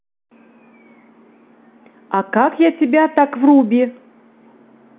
а как я тебя так вруби